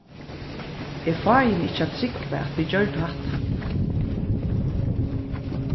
eg fái meg ikki at trúgva at vit gjørdu hatta